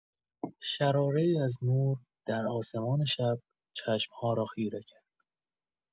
شراره‌ای از نور در آسمان شب چشم‌ها را خیره کرد.